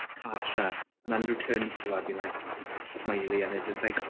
Tasha, and Andrew turns to her being like smiley and they're just like...